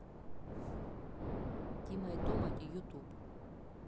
тима и тома ютуб